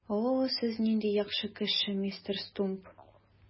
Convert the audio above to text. О, сез нинди яхшы кеше, мистер Стумп!